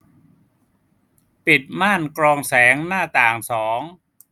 ปิดม่านกรองแสงหน้าต่างสอง